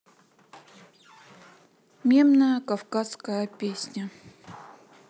мемная кавказская песня